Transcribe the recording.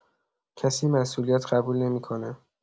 کسی مسئولیت قبول نمی‌کنه.